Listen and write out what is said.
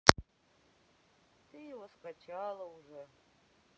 ты его скачала уже